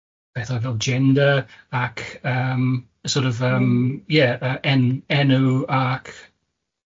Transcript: pethau fel gender ac yym sor' of yym ie yy en- enw ac